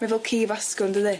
Mae fel ci 'fo asgwrn dydi?